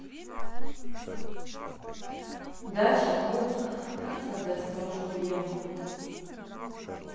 дача клуб как создать крошку еву